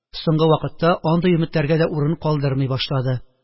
Соңгы вакытта андый өметләргә дә урын калдырмый башлады.